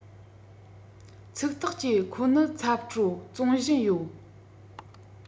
ཚིག ཐག བཅད ཁོ ནི ཚབ སྤྲོད བཙོང བཞིན ཡོད